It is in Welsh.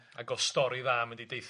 Ag o'dd stori dda yn mynd i deithio.